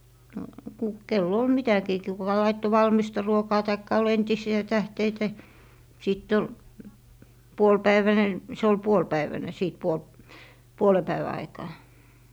no - kenellä oli mitäkin - kuka laittoi valmista ruokaa tai oli entisiä tähteitä sitten oli puolipäiväinen se oli puolipäivänen sitten - puolen päivän aikaan